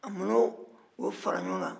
a mana o fara ɲɔgɔn kan